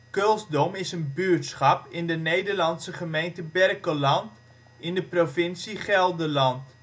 Kulsdom is een buurtschap in de Nederlandse gemeente Berkelland in de provincie Gelderland